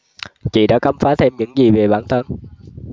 chị đã khám phá thêm những gì về bản thân